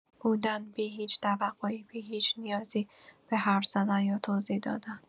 بودن، بی‌هیچ توقعی، بی‌هیچ نیازی به حرف‌زدن یا توضیح دادن.